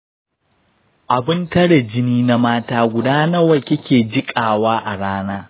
abun tare jini na mata guda nawa kike jiƙawa a rana?